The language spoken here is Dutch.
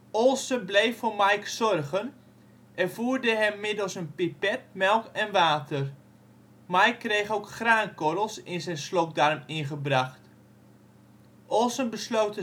Olsen bleef voor Mike zorgen en voerde hem middels een pipet melk en water. Mike kreeg ook graankorrels in zijn slokdarm ingebracht. Olsen besloot